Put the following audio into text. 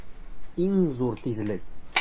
Иң зур тизлек!